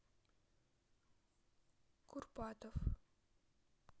курпатов